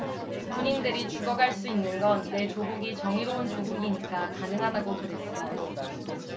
군인들이 죽어갈 수 있는 건 내 조국이 정의로운 조국이니까 가능하다고 그랬어